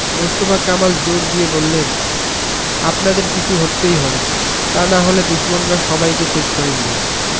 মোস্তফা কামাল জোর দিয়ে বললেন আপনাদের পিছু হটতেই হবে তা না হলে দুশমনরা সবাইকে শেষ করে দেবে